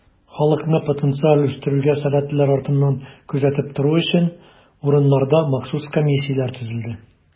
Халыкны потенциаль үстерүгә сәләтлеләр артыннан күзәтеп тору өчен, урыннарда махсус комиссияләр төзелде.